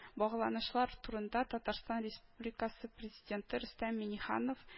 Багланышлар турында татарстан республикасы президенты рөстәм миңнеханов